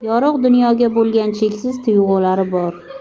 yorug' dunyoga bo'lgan cheksiz tuyg'ulari bor